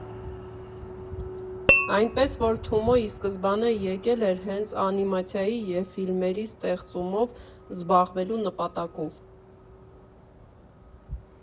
Այնպես որ՝ Թումո ի սկզբանե եկել էր հենց անիմացիայի և ֆիլմերի ստեղծումով զբաղվելու նպատակով։